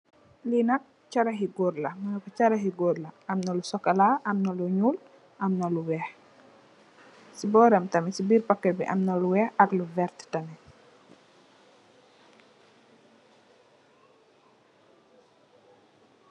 Li nak caaxi gór la am na lu sokola, am na lu ñuul am na lu wèèx , si bóram tamid ci biir paket bi am na lu wèèx ak lu werta.